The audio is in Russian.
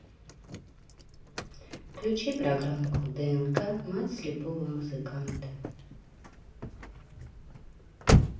включи программу днк мать слепого музыканта